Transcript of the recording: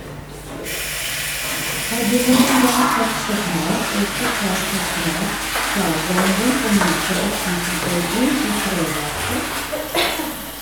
Har du noen gang sett stokkmaur, også kalt hestemaur, plageånden som liker å spise seg inn i treverket?